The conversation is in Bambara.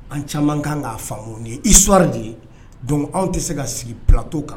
An caaman kan k'a faamu ni ye histoire de ye donc aw tɛ se ka sigi plateau kan